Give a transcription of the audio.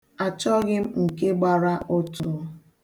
A chọghị m nke gbara ụtụ.